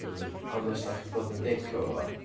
m-hm... ond os dach chi'n bod yn dick efo fo